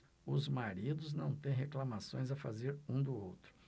os maridos não têm reclamações a fazer um do outro